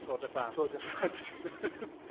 Tour de France... Tour de France.